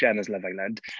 Gemma's Love Island.